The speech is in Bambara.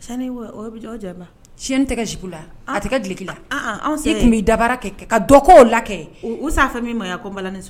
chaine t'e k'a jupe la a t'e ka guloki la e k'i ni dabara kɛ ka dɔ k'ola kɛ u s'a fɔ min ma ya ko